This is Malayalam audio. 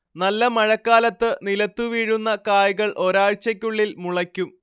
നല്ല മഴക്കാലത്ത് നിലത്തുവീഴുന്ന കായ്കൾ ഒരാഴ്ചയ്ക്കുള്ളിൽ മുളയ്ക്കും